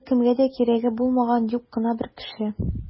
Беркемгә дә кирәге булмаган юк кына бер кеше.